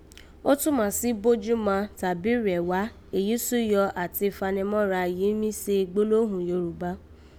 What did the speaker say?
Ó túmà sí "bójúma" tàbí "ghẹngwà", èyí súyọ àti fànẹmọ́ra yìí mí se gbólóhùn Yorùbá